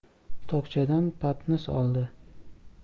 tokchadan patnis oldi